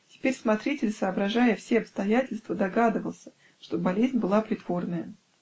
Теперь смотритель, соображая все обстоятельства, догадывался, что болезнь была притворная.